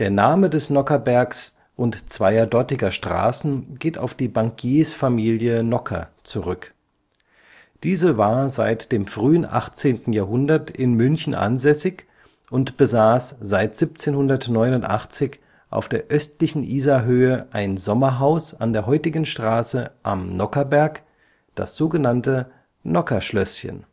Name des Nockherbergs und zweier dortiger Straßen geht auf die Bankiersfamilie Nockher zurück. Diese war seit dem frühen 18. Jahrhundert in München ansässig und besaß seit 1789 auf der östlichen Isarhöhe ein Sommerhaus an der heutigen Straße Am Nockherberg, das sogenannte „ Nockherschlösschen